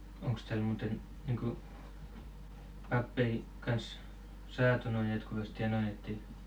onkos täällä muuten niin kuin pappeja kanssa saatu noin jatkuvasti ja noin että ei